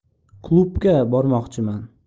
klubga bormoqchiman